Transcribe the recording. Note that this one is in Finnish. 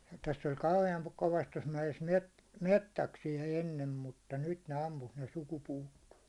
tässä oli kauhean kovasti tuossa mäessä - metsäksiä ennen mutta nyt ne ampui ne sukupuuttoon